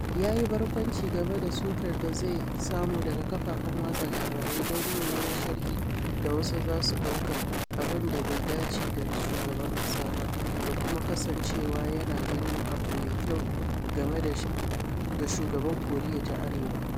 Ya yi barkwanci game da sukar da zai samu daga kafafen watsa labarai don yin wani sharhi da wasu za su ɗauka “abin da bai dace da shugaban ƙasa ba” da kuma kasancewa yana ganin abu mai kyau game da shugaban Koriya ta Arewa.